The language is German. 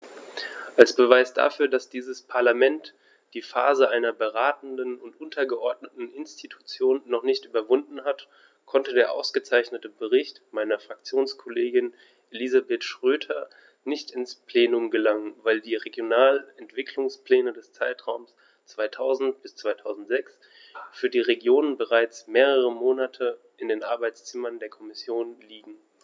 Als Beweis dafür, dass dieses Parlament die Phase einer beratenden und untergeordneten Institution noch nicht überwunden hat, konnte der ausgezeichnete Bericht meiner Fraktionskollegin Elisabeth Schroedter nicht ins Plenum gelangen, weil die Regionalentwicklungspläne des Zeitraums 2000-2006 für die Regionen bereits mehrere Monate in den Arbeitszimmern der Kommission liegen.